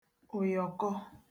ụ̀yọ̀kọ